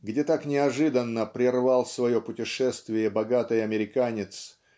где так неожиданно прервал свое путешествие богатый американец